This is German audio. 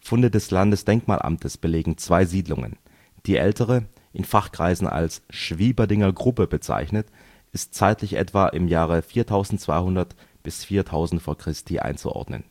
Funde des Landesdenkmalamtes belegen zwei Siedlungen. Die ältere – in Fachkreisen als Schwieberdinger Gruppe bezeichnet – ist zeitlich etwa im Jahre 4200 bis 4000 v. Chr. einzuordnen